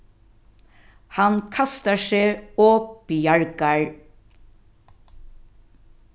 hann kastar seg og bjargar